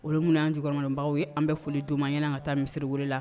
Olu minnu anan jɔbaw ye an bɛ foli don ma ɲɛnaan ka taa misisiriw la